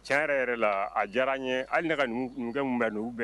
Tiɲɛ yɛrɛ yɛrɛ la a diyara n ye hali nɛgɛ ka bɛn n' u bɛn